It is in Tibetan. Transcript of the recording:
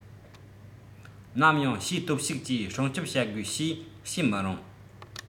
ནམ ཡང ཕྱིའི སྟོབས ཤུགས ཀྱིས སྲུང སྐྱོང བྱ དགོས ཞེས བཤད མི རུང